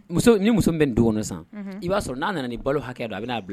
Muso ni muso bɛ don san i b'a sɔrɔ n'a nana ni balo hakɛ la b'a bila